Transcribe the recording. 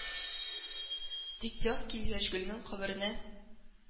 Тик яз килгәч, гөлнең каберенә